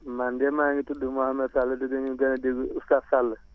man de maa ngi tudd Mouhamed Sall te daénuy gën a dégg outaz Sall